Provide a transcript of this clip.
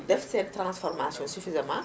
def seen transformations suffisament